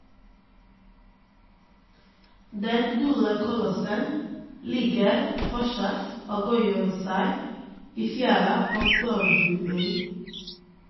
Den gule kolossen ligger fortsatt og godgjør seg i fjæra på Sørbuøy.